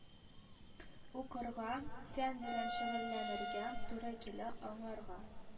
Укырга, фән белән шөгыльләнергә туры килә аңарга